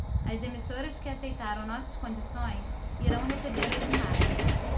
as emissoras que aceitaram nossas condições irão receber as imagens